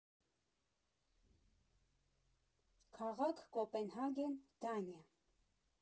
Քաղաք՝ Կոպենհագեն, Դանիա։